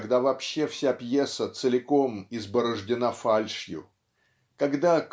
когда вообще вся пьеса целиком изборождена фальшью когда